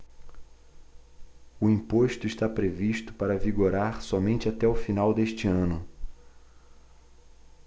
o imposto está previsto para vigorar somente até o final deste ano